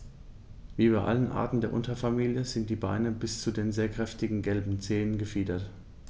Wie bei allen Arten der Unterfamilie sind die Beine bis zu den sehr kräftigen gelben Zehen befiedert.